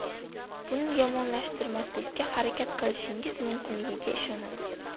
buni yomonlashtirmaslikka harakat qilishingiz mumkinligiga ishonaman